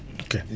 ok